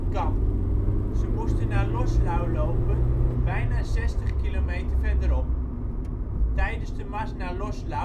kamp. Ze moesten naar Loslau lopen, bijna zestig kilometer verderop. Tijdens de mars naar Loslau